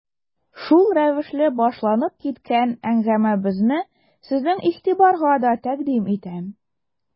Шул рәвешле башланып киткән әңгәмәбезне сезнең игътибарга да тәкъдим итәм.